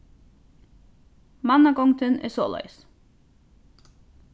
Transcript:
mannagongdin er soleiðis